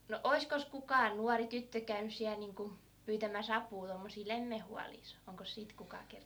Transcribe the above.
no olisikos kukaan nuori tyttö käynyt siellä niin kuin pyytämässä apua tuommoisiin lemmenhuolissa onkos siitä kukaan kertonut